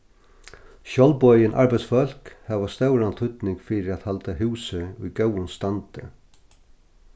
sjálvboðin arbeiðsfólk hava stóran týdning fyri at halda húsið í góðum standi